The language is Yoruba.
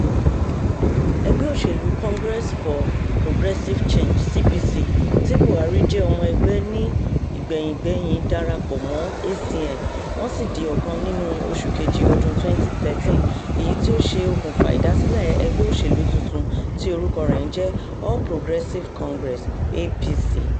Ẹgbẹ́ òṣèlú Congress for Progressive Change (CPC) tí Buhari jẹ́ ọmọ ẹgbẹ́ ní ìgbẹ̀yìngbẹ́yín darapọ̀ mọ́ ACN, wọ́n sì di ọkàn nínú oṣù Kejì ọdún 2013, èyí tí ó ṣe okùnfà ìdásílẹ̀ ẹgbẹ́ òṣèlú tuntun tí orúkọ rẹ̀ ń jẹ́ All Progressive Congress (APC).